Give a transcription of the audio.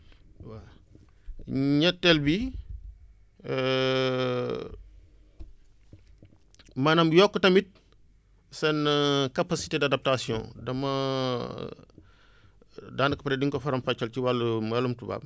waaw ñetteel bi maanaam yokk tamit seen capcité d' adaptation damaa daanaka peut être di nga ko faram-fàcceel ci wàllum wàllum tubaab